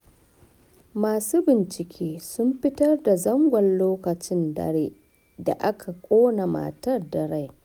Masu bincike sun fitar da zangon lokacin dare da aka ƙona matar da rai